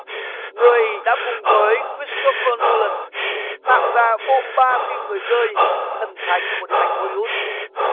người đã cùng với cờ rít sờ tốp phơ nô lần tạo ra bộ ba phim người dơi thần thánh của điện ảnh hô li út